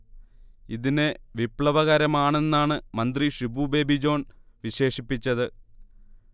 ഇതിനെ വിപ്ലവകരമാണെന്നാണ് മന്ത്രി ഷിബു ബേബി ജോൺ വിശേഷിപ്പിച്ചത്